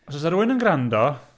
Os oes yna rhywun yn gwrando...